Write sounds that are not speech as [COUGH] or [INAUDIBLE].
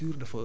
[HESITATION] [HESITATION]